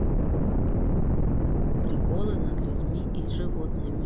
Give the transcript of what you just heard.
приколы над людьми и животными